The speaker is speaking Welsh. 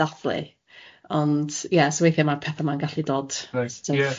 ...dathlu ond ie so weithiau ma'r pethe ma'n gallu dod... Reit ie.